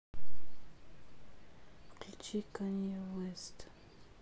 включи канье уэст